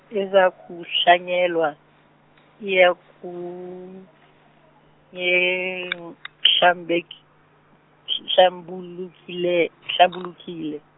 ezakuhlanyelwa, iyaku-, ehlambuke- hlambulukile- hlambulukile.